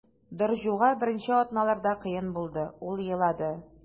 Доржуга беренче атналарда кыен булды, ул елады.